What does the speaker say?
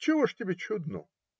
- Чего ж тебе чудно?